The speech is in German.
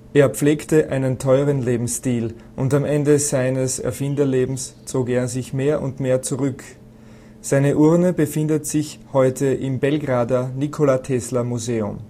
Er pflegte einen teuren Lebensstil und am Ende seines Erfinderlebens zog er sich mehr und mehr zurück. Seine Urne befindet sich heute im Belgrader Nikola-Tesla-Museum